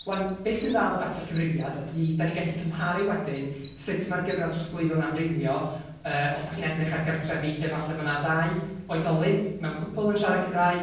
ŵan be sy'n dda efo data'r cyfrifiad ydy, dan ni'n gallu cymharu wedyn sut ma'r gyfradd drosglwyddo yn amrywio yy os dach chi'n edrych ar gartrefi lle falle ma' 'na ddau oedolyn mewn cwpwl yn siarad Cymraeg